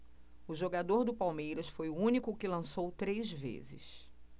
o jogador do palmeiras foi o único que lançou três vezes